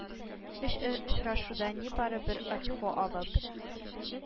Өч очрашуда нибары бер очко алып,